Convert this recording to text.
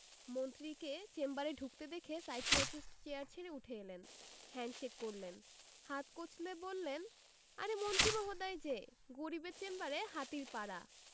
মন্ত্রীকে চেম্বারে ঢুকতে দেখে সাইকিয়াট্রিস্ট চেয়ার ছেড়ে উঠে এলেন হ্যান্ডশেক করলেন হাত কচলে বললেন আরে মন্ত্রী মহোদয় যে গরিবের চেম্বারে হাতির পাড়া